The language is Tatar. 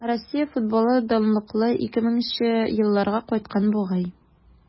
Россия футболы данлыклы 2000 нче елларга кайткан бугай.